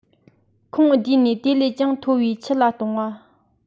ཁོངས བསྡུས ནས དེ བས ཀྱང མཐོ བའི ཁྱུ ལ གཏོང བ